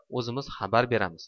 o'zimiz xabar beramiz